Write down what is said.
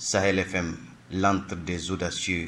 Sahel FM l'âme des audacieux